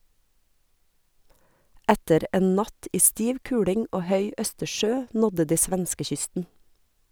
Etter en natt i stiv kuling og høy Østersjø nådde de svenskekysten.